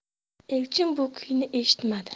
elchin bu kuyni eshitmadi